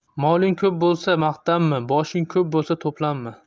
moling ko'p bo'lsa maqtanma boshing ko'p bo'lsa to'planma